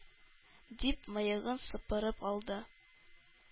Дип, мыегын сыпырып алды.